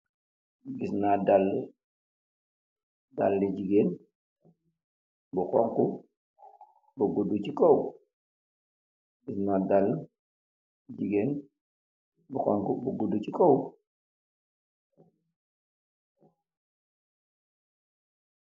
Gisna daalue, daalue gigain bu honhu bu gudu chi kaw, gisna daalue gigain bu honhu bu gudu ci kaw.